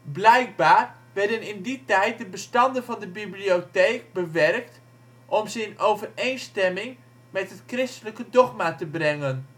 Blijkbaar werden in die tijd de bestanden van de bibliotheek bewerkt om ze in overeenstemming met het christelijke dogma te brengen